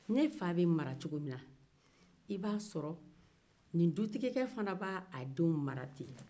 ne fa bɛ ne mara cogo minna i b'a sɔrɔ nin dutigikɛ fana bɛ a denw mara ten